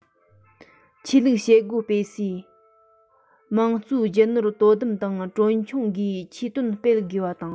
ཆོས ལུགས བྱེད སྒོ སྤེལ སས དམངས གཙོའི རྒྱུ ནོར དོ དམ དང གྲོན ཆུང སྒོས ཆོས དོན སྤེལ དགོས པ དང